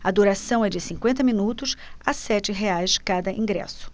a duração é de cinquenta minutos a sete reais cada ingresso